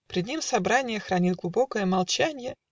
пред ним собранье Хранит глубокое молчанье.